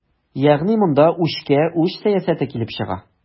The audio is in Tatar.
Ягъни монда үчкә-үч сәясәте килеп чыга.